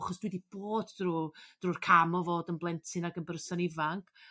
achos dwi 'di bod drw' drw'r cam o fod yn blentyn ag yn berson ifanc.